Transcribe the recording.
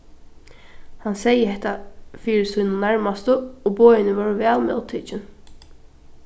hann segði hetta fyri sínum nærmastu og boðini vóru væl móttikin